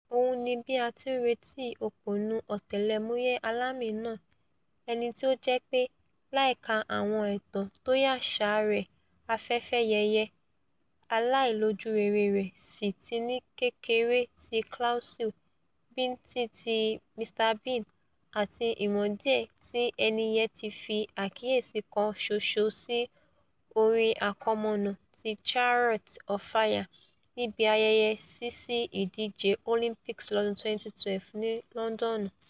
Òun ni bí a ti ńretí òpònú ọ̀tẹlẹ̀múyẹ́ alami náà ẹnití o jẹ́pé láìka àwọn ẹ̀tàn tóyaṣa rẹ̀ afẹfẹ yẹ̀yẹ̀ aláìlójúrere rẹ̀ sí ti ni kékeré ti Clouseau, bíńtín ti Mr Bean ati ìwọn díẹ̀ ti ẹni yẹn ti fi àkíyèsí kan ṣoṣo sí orin àkọmọ̀nà ti Chariots of Fire níbi ayẹyẹ sísí ìdíje Olympics lọ́dún 2012 ní Lọndọnu.